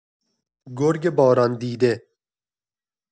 گرگ باران دیده